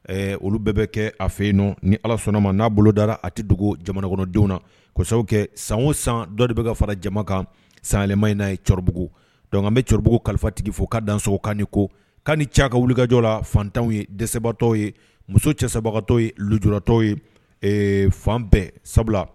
Ɛɛ olu bɛɛ bɛ kɛ a fɛ yen nɔ ni ala sɔnna ma n'a bolo dara a tɛ dogo jamana kɔnɔdenw na kosa kɛ san o san dɔ de bɛ ka fara jama kan sanɛlɛma in'a ye cbugu don bɛ cbugu kalifatigi fɔ ka danso kan ko' ni ca ka wulikajɔ la fantanw ye dɛsɛsebaatɔ ye muso cɛ sabatɔ ye jtɔ ye fan bɛɛ sabula